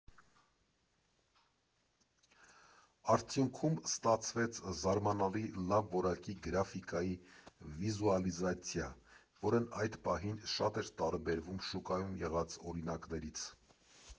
Արդյունքում ստացվեց զարմանալի լավ որակի գրաֆիկայի վիզուալիզացիա, որն այդ պահին շատ էր տարբերվում շուկայում եղած օրինակներից։